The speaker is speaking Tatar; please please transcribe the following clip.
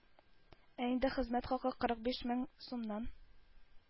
Ә инде хезмәт хакы кырык биш мең сумнан